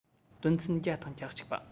དོན ཚན བརྒྱ དང གྱ གཅིག པ